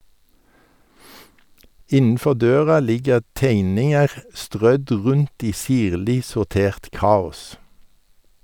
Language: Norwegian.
Innenfor døra ligger tegninger strødd rundt i sirlig sortert kaos.